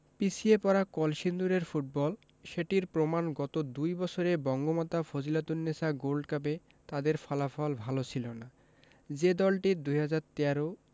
পিছিয়ে পড়া কলসিন্দুরের ফুটবল সেটির প্রমাণ গত দুই বছরে বঙ্গমাতা ফজিলাতুন্নেছা গোল্ড কাপে তাদের ফলাফল ভালো ছিল না যে দলটি ২০১৩